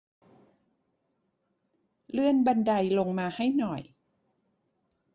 เลื่อนบันไดลงมาให้หน่อย